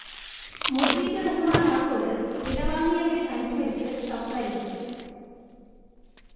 മുജീബ് റഹ്മാൻ ആക്കോട് വിടവാങ്ങിയവരെ അനുസ്മരിച്ച് സംസാരിച്ചു